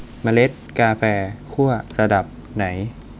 เมล็ดกาแฟคั่วระดับไหน